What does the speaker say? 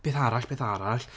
Beth arall. Beth arall.